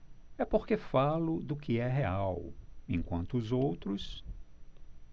é porque falo do que é real enquanto os outros